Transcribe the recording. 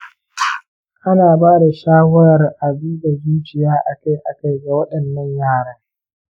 ana ba da shawarar a duba zuciya akai-akai ga waɗannan yaran.